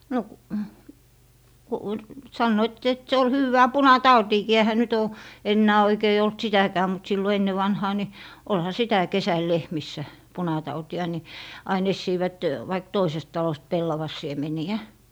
no - kun sanoivat että se oli hyvää punatautiinkin eihän nyt ole enää oikein ollut sitäkään mutta silloin ennen vanhaan niin olihan sitä kesällä lehmissä punatautia niin aina etsivät vaikka toisesta talosta pellavansiemeniä